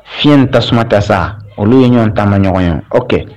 Fiɲɛ tasuma tɛ sa olu ye ɲɔgɔn taama ɲɔgɔn ye o kɛ